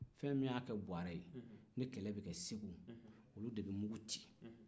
fɛn min y'a kɛ buwarɛ ye nin kɛlɛ bɛ kɛ segu olu de bɛ mugu ci